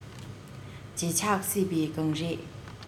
བརྗིད ཆགས སྲིད པའི གངས རི